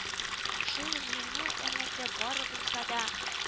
Шул җиңү өмете барыбызга да